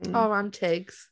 Aw Antigs.